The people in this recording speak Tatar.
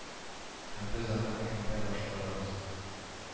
Һәм без аны әкренләп башкарабыз